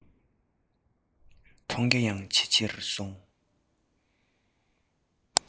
མཐོང རྒྱ ཡང ཇེ ཆེར སོང